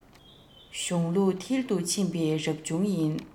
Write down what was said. གཞུང ལུགས མཐིལ དུ ཕྱིན པའི རབ བྱུང ཡིན